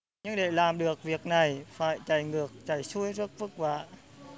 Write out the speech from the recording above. nhưng để làm được việc này phải chạy ngược chạy xuôi rất vất vả